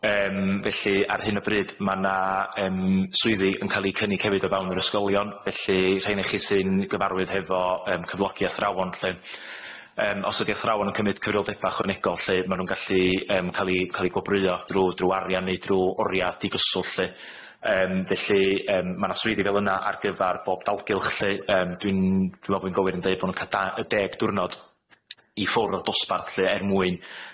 Yym felly ar hyn o bryd ma' 'na yym swyddi yn ca'l i cynnig hefyd o fewn yr ysgolion felly rheini ohonach chi sy'n gyfarwydd hefo yym cyflogi athrawon lly yym os ydi athrawon yn cymyd cyfrioldeba ychwanegol lly ma' nhw'n gallu yym ca'l i ca'l i gwobrwyo drw drw arian neu drw oria digyswllt lly yym felly yym ma' 'na swyddi fel yna ar gyfar bob dalgylch lly yym dwi'n dwi me'wl bo' fi'n gywir yn deud bo' nw'n ca' da- yy deg diwrnod i ffwrdd dosbarth lly er mwyn